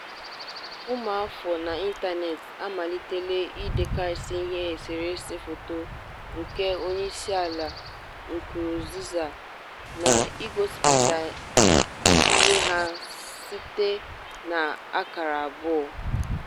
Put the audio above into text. Ụmụafọ n'ịntaneetị a malitela idekasị ihe n'eserese foto nke onyeisiala Nkurunziza n'ịgosipụta iwe ha site n'akara abụọ.